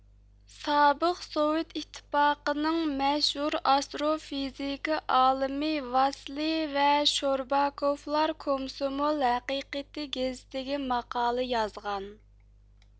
سابىق سوۋېت ئىتتىپاقىنىڭ مەشھۇر ئاستروفىزىكا ئالىمى ۋاسلىي ۋە شورباكوفلار كومسومول ھەقىقىتى گېزىتىگە ماقالە يازغان